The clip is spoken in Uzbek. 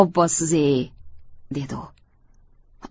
obbo siz ey dedi u